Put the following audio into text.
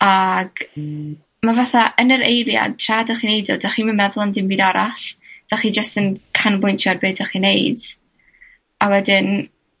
Ag ma' fatha yn yr eiliad tra 'dach chi'n neud o 'dach chi'm yn meddwl am dim byd arall. 'Dach chi jyst yn canolbwyntio ar be' 'dach chi'n neud. A wedyn